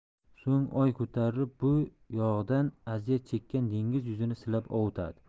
so'ng oy ko'tarilib bu yong'indan aziyat chekkan dengiz yuzini silab ovutadi